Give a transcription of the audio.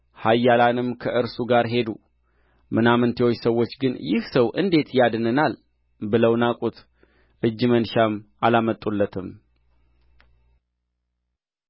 ኃያላንም ከእርሱ ጋር ሄዱ ምናምንቴዎች ሰዎች ግን ይህ ሰው እንዴት ያድነናል ብለው ናቁት እጅ መንሻም አላመጡለትም